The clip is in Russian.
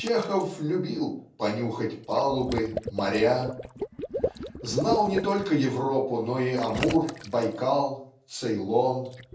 Чехов любил "понюхать палубы моря" знал не только Европу но и Амур Байкал Цейлон